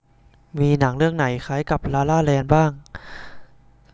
มีหนังเรื่องไหนคล้ายกับลาลาแลนด์บ้าง